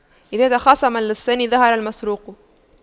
إذا تخاصم اللصان ظهر المسروق